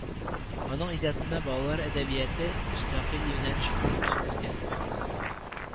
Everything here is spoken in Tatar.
Аның иҗатында балалар әдөбияте мөстәкыйль юнәлеш булып үсеп китә